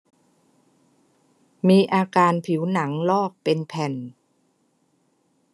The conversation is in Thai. มีอาการผิวหนังลอกเป็นแผ่น